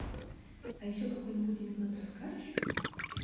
а еще какой нибудь анекдот расскажешь